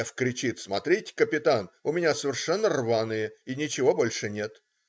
Ф. кричит: смотрите, капитан, у меня совершенно рваные и ничего больше нет!